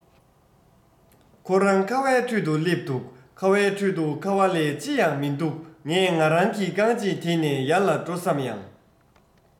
ཁ རང ཁ བའི ཁྲོད དུ སླེབས འདུག ཁ བའི ཁྲོད དུ ཁ བ ལས ཅི ཡང མི འདུག ངས ང རང གི རྐང རྗེས དེད ནས ཡར ལ འགྲོ བསམ ཡང